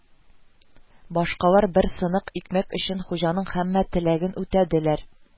Башкалар бер сынык икмәк өчен хуҗаның һәммә теләген үтәделәр